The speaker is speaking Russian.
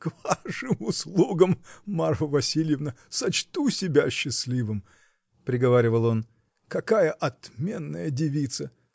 — К вашим услугам, Марфа Васильевна!. сочту себя счастливым. — приговаривал он. — Какая отменная девица!